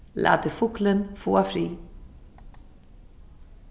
latið fuglin fáa frið